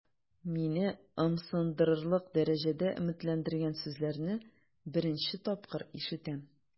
Мине ымсындырырлык дәрәҗәдә өметләндергән сүзләрне беренче тапкыр ишетәм.